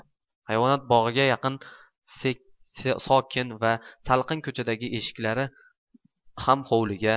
hayvonot bog'iga yaqin sokin va salqin ko'chadagi eshiklari ham hovliga